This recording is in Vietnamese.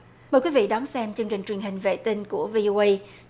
mời quý vị đón xem chương trình truyền hình vệ tinh của vi ô ây